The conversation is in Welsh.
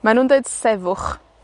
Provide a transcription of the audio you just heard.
Mae nw'n deud sefwch.